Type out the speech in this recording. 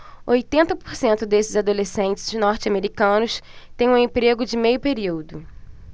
oitenta por cento desses adolescentes norte-americanos têm um emprego de meio período